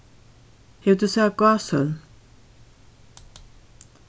hevur tú sæð gáshólm